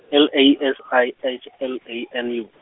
L A S I H L A N U.